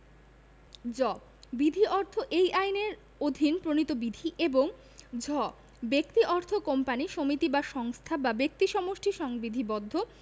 জ বিধি অর্থ এই আইনের অধীন প্রণীত বিধি এবং ঝ ব্যক্তি অর্থ কোম্পানী সমিতি বা সংস্থা বা ব্যক্তি সমষ্টি সংবিধিবদ্ধ